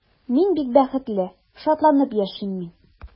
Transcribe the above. Мин бик бәхетле, шатланып яшим мин.